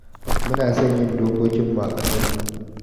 Mu na son yin dokokinmu a ƙasar mu.’'